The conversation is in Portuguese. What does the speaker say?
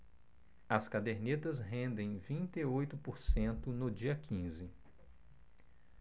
as cadernetas rendem vinte e oito por cento no dia quinze